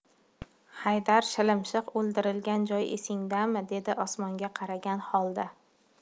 haydar shilimshiq o'ldirilgan joy esingdami dedi osmonga qaragan holda